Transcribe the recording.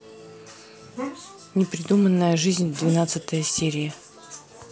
непридуманная жизнь двенадцатая серия